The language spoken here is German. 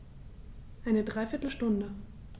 Eine dreiviertel Stunde